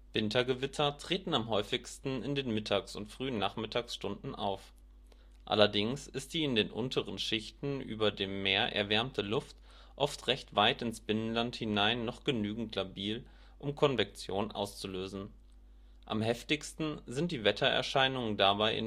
Wintergewitter treten am häufigsten in den Mittags - und frühen Nachmittagsstunden auf. Allerdings ist die in den unteren Schichten über dem Meer erwärmte Luft oft recht weit ins Binnenland hinein noch genügend labil, um Konvektion auszulösen. Am heftigsten sind die Wettererscheinungen dabei